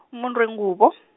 mumuntu wengubo.